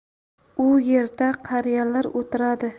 u yerda qariyalar o'tiradi